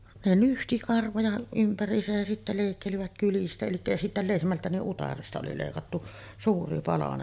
ne nyhti karvoja ympäriinsä ja sitten leikkelivät kyljistä eli ja sitten lehmältä niin utareesta oli leikattu suuri palanen